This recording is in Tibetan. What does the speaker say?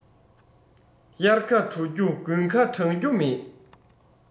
དབྱར ཁ དྲོ རྒྱུ དགུན ཁ གྲང རྒྱུ མེད